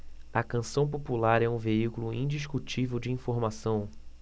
a canção popular é um veículo indiscutível de informação